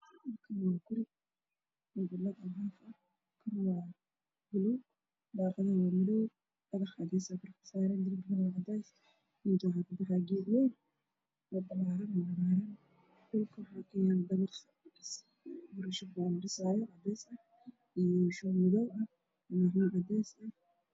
Halkaan waxaa ka muuqdo dabaq qabyo ah oo biro shub ah ay taagan yihiin